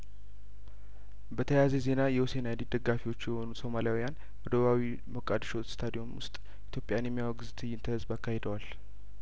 በተያያዘ ዜና የሁሴን አይዲድ ደጋፊዎች የሆኑ ሶማሊያውያን በደቡባዊ ሞቃዲሾ ስታዲዮም ውስጥ ኢትዮጵያን የሚያወግዝ ትእይንተ ህዝብ አካሂደዋል